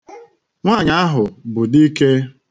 Nwaanyị ahụ bụ dike.